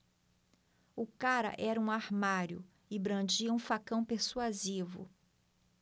o cara era um armário e brandia um facão persuasivo